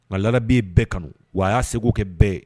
Nka laada bɛ bɛɛ kanu wa y'a segin kɛ bɛɛ ye